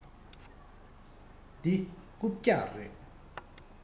འདི རྐུབ བཀྱག རེད